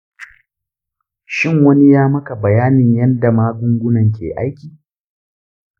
shin wani ya maka bayanin yanda magungunan ke aiki?